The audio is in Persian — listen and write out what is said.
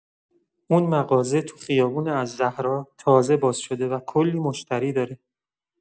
اون مغازه تو خیابون الزهراء تازه باز شده و کلی مشتری داره.